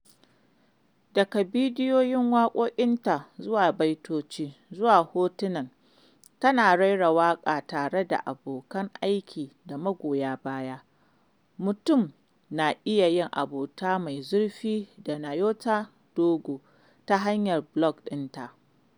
Daga bidiyon waƙoƙinta zuwa baitoci zuwa hotunan, tana raira waƙa tare da abokan aiki da magoya baya, mutum na iya yin abota mai zurfi da Nyota Ndogo ta hanyar blog ɗinta.